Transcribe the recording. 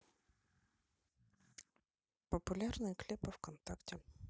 популярные клипы вконтакте